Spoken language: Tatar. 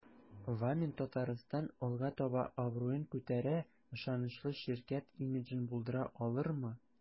"вамин-татарстан” алга таба абруен күтәрә, ышанычлы ширкәт имиджын булдыра алырмы?